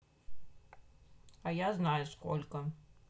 а я знаю сколько